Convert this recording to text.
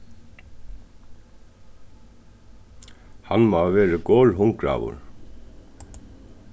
hann má hava verið gorhungraður